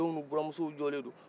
dɔw n'u buranmusow jɔɔlen don